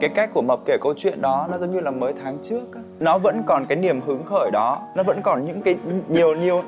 cải cách của mập kể câu chuyện đó nó giống như là mới tháng trước á nó vẫn còn cái niềm hứng khởi đó nó vẫn còn những cái nhiều nhiều